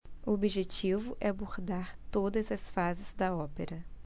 o objetivo é abordar todas as fases da ópera